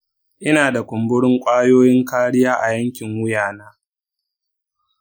ina da kumburin ƙwayoyin kariya a yankin wuyana.